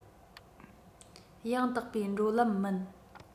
ཡང དག པའི བགྲོད ལམ མིན